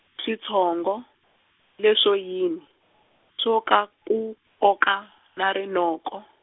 switshongo, leswo yini, tswo- ka ku koka na rinoko.